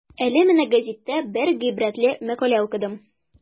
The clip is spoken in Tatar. Әле менә гәзиттә бер гыйбрәтле мәкалә укыдым.